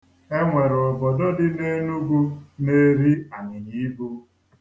E nwere obodo dị n'Enugwu na-eri anyịnyaibu.